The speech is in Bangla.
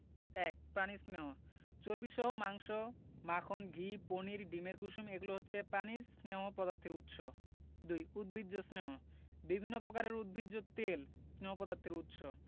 ১. প্রাণিজ স্নেহ চর্বিসহ মাংস মাখন ঘি পনির ডিমের কুসুম এগুলো হচ্ছে প্রাণিজ স্নেহ পদার্থের উৎস ২. উদ্ভিজ্জ স্নেহ বিভিন্ন প্রকারের উদ্ভিজ তেল স্নেহ পদার্থের উৎস